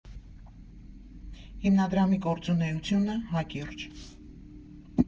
Հիմնադրամի գործունեությունը՝ հակիրճ։